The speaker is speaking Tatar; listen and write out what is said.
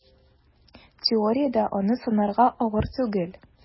Теориядә аны санарга авыр түгел: